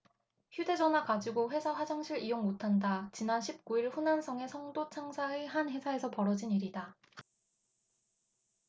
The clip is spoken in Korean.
휴대전화 가지고 회사 화장실 이용 못한다 지난 십 구 일 후난성의 성도 창사의 한 회사에서 벌어진 일이다